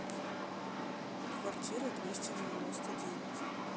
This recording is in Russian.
квартира двести девяносто девять